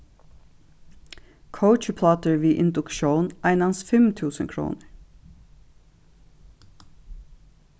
kókiplátur við induktión einans fimm túsund krónur